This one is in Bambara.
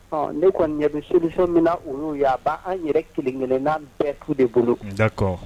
Ɔ ne kɔni ɲɛ bɛ seli min olu yanba an yɛrɛ kelen-kelenna bɛɛ ku de bolo da